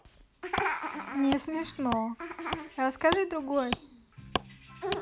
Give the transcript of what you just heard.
не смешно расскажи другой